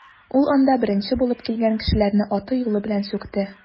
Ул анда беренче булып килгән кешеләрне аты-юлы белән сүкте.